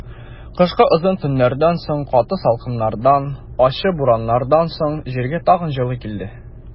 Кышкы озын төннәрдән соң, каты салкыннардан, ачы бураннардан соң җиргә тагын җылы килде.